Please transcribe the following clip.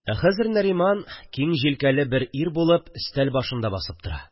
Ә хәзер Нариман киң җилкәле бер ир булып өстәл башында басып тора